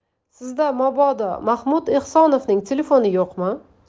sizda mabodo mahmud ehsonovning telefoni yo'qmi